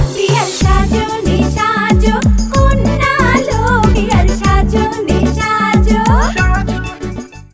বিয়ার সাজনি সাজো কন্যা লো বিয়ার সাজনি সাজো